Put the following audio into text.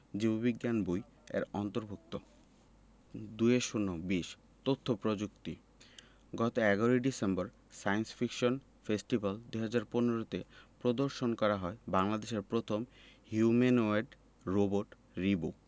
জীব বিজ্ঞান বই এর অন্তর্ভুক্ত ২০ তথ্য প্রযুক্তি গত ১১ ডিসেম্বর সায়েন্স ফিকশন ফেস্টিভ্যাল ২০১৫ তে প্রদর্শন করা হয় বাংলাদেশের প্রথম হিউম্যানোয়েড রোবট রিবো